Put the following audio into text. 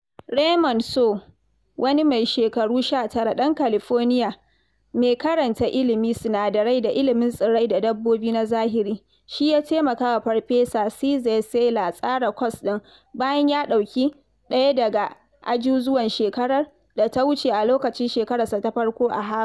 Raymond So, wani mai shekaru 19 ɗan California mai karanta ilmin sinadarai da ilmin tsirrai da dabbobi na zahiri, shi ya taimaka wa Farfesa Czeisler tsara kwas ɗin, bayan ya ɗauki ɗaya daga ajizuwan shekarar da ta wuce a lokacin shekararsa ta farko a Harvard.